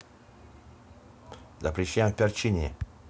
запрещаем в перчини